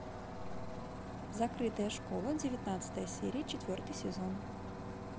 закрытая школа девятнадцатая серия четвертый сезон